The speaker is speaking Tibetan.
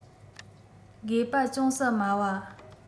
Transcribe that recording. དགོས པ ཅུང ཟད དམའ བ